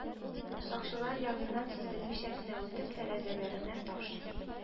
Сакчылар яныннан сиздермичә генә үтеп, тәрәзәләренә таш